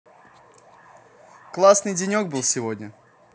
классный денек был сегодня